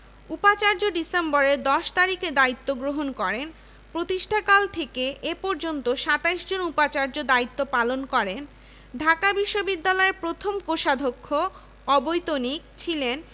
কলকাতা বিশ্ববিদ্যালয়ের chancellor lord Chelmsford ১৯১৭ সালের ৬ January এক অভিষেক অনুষ্ঠানে বিশ্ববিদ্যালয় প্রতিষ্ঠার সমস্যা ও চাহিদা নির্ণয়ের লক্ষ্যে